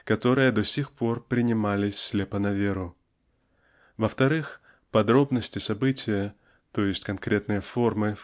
которые до сих пор принимались слепо на веру во-вторых, подробности события, т. е. конкретные формы